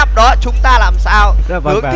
đó chúng ta làm sao hướng